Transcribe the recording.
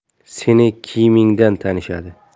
seni kiyimingdan tanishadi